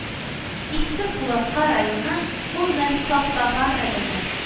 Иске Кулатка районы, гомумән, саф татар районы